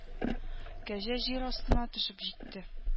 Кәҗә җир астына төшеп җитте